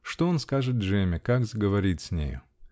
Что он скажет Джемме, как заговорит с нею?